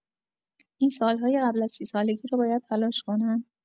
این سال‌های قبل از سی‌سالگی را باید تلاش کنم؟